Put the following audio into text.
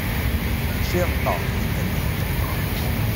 เชื่อมต่ออินเตอร์เน็ต